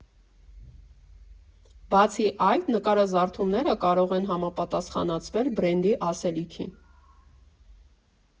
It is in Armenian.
Բացի այդ, նկարազարդումները կարող են համապատասխանեցվել բրենդի ասելիքին։